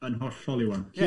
Yn hollol Iwan.